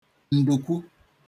ndukwuoh